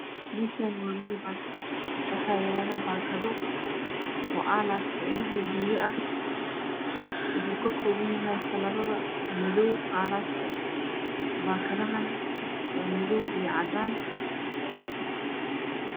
Meeshaan waa meel banaan waxaa yaalo baakado oo aalashka indhaha lagaliyo ah wuxuu ka kooban yahay kalarada madoow aalaashka baakadahana waa madoow iyo cadaan